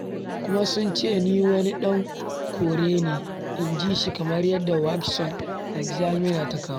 Kuma sun ce ni wani dan kore ne," inji shi kamar yadda Washington Examiner ta kawo.